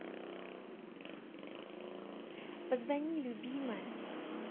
позвони любимая